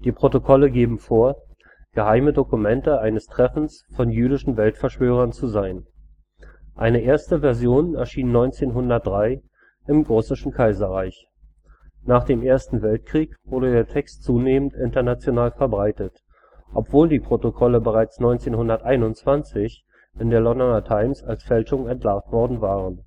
Protokolle geben vor, geheime Dokumente eines Treffens von jüdischen Weltverschwörern zu sein. Eine erste Version erschien 1903 im Russischen Kaiserreich. Nach dem Ersten Weltkrieg wurde der Text zunehmend international verbreitet, obwohl die Protokolle bereits 1921 in der Londoner Times als Fälschung entlarvt worden waren